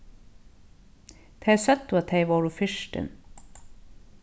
tey søgdu at tey vóru firtin